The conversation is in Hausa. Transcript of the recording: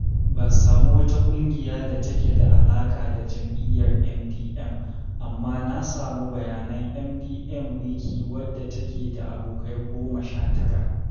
Ban samu wata ƙungiya da take da alaƙa da Jam'iyyar MDM, amma na samu bayanan MDMWIKI, wadda take da abokai 19.